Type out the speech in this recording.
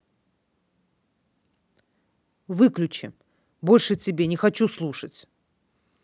выключи больше тебе не хочу слушать